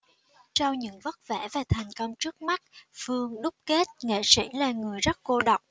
sau những vất vả và thành công trước mắt phương đúc kết nghệ sĩ là người rất cô độc